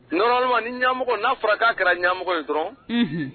Nɔrɔma ni ɲamɔgɔ n'a fɔra'a kɛra ɲamɔgɔ in dɔrɔn